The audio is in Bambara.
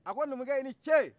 a ko numukɛ i ni ce